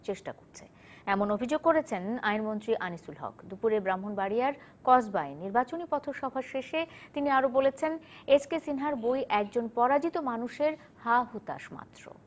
চেষ্টা করছে এমন অভিযোগ করেছেন আইনমন্ত্রী আনিসুল হক দুপুরে ব্রাহ্মণবাড়িয়ার কসবায় নির্বাচনী পথসভা শেষে তিনি আরো বলেছেন এস কে সিনহার বই একজন পরাজিত মানুষের হা-হুতাশ মাত্র